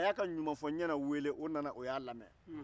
a y'a ka ɲumanfɔ-n-ɲɛna wele o nana o y'a lamɛn